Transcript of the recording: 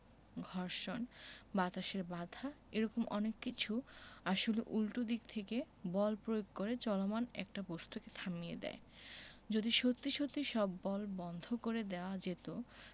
ঘর্ষণ বাতাসের বাধা এ রকম অনেক কিছু আসলে উল্টো দিক থেকে বল প্রয়োগ করে চলমান একটা বস্তুকে থামিয়ে দেয় যদি সত্যি সত্যি সব বল বন্ধ করে দেওয়া যেত